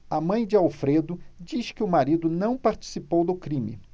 a mãe de alfredo diz que o marido não participou do crime